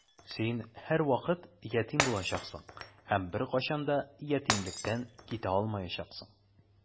Син һәрвакыт ятим булачаксың һәм беркайчан да ятимлектән китә алмаячаксың.